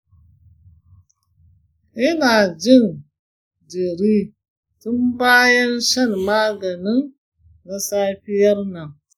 ina jin jiri tun bayan shan maganin na safiyar nan.